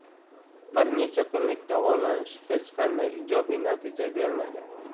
bir necha kunlik davolanish hech qanday ijobiy natija bermagan